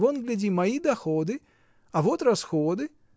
Вот, гляди, мои доходы, а вот расходы.